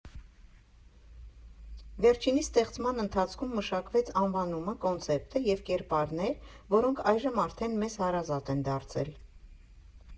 Վերջինիս ստեղծման ընթացքում մշակվեց անվանումը, կոնցեպտը և կերպարներ որոնք այժմ արդեն մեզ հարազատ են դարձել։